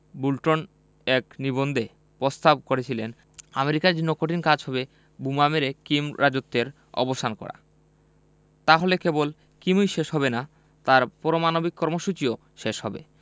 Bolton এক নিবন্ধে প্রস্তাব করেছিলেন আমেরিকার জন্য সঠিক কাজ হবে বোমা মেরে কিম রাজত্বের অবসান করা তাহলে কেবল কিমই শেষ হবে না তাঁর পারমাণবিক কর্মসূচিও শেষ হবে